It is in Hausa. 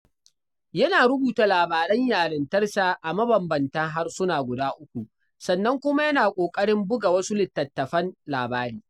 Yana rubuta labaran yarintarsa a mabambantan harsuna guda uku sannan kuma yana ƙoƙarin buga wasu littattafan labari.